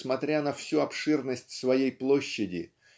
несмотря на всю обширность своей площади